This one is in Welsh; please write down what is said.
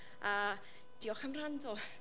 A diolch am wrando.